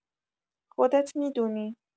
خودت می‌دونی!